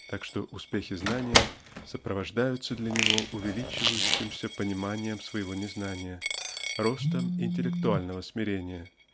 так что успехи знания сопровождаются для него увеличивающимся пониманием своего незнания ростом интеллектуального смирения